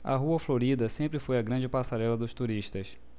a rua florida sempre foi a grande passarela dos turistas